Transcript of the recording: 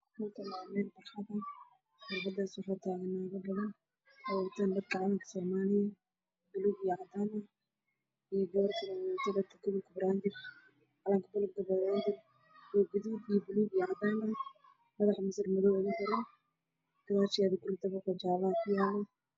Naago oo wataan calanka soomaliya